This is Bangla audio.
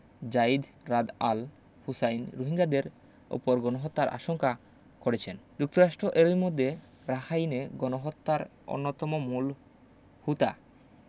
Zeid Ra'ad al Hussein রোহিঙ্গাদের ওপর গণহত্যার আশঙ্কা করেছেন যুক্তরাষ্ট এরই মধ্যে রাখাইনে গণহত্যার অন্যতম মূল হুতা